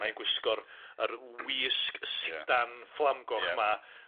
Mae'n gwisgo'r yr wisg sidan fflamgoch 'ma.